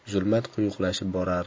zulmat quyuqlashib borar